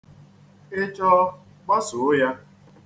Ị chọọ, gbaso ya.